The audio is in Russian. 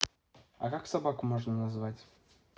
а как собаку можно назвать